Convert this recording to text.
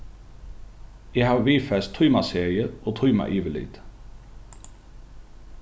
eg havi viðfest tímaseðil og tímayvirlit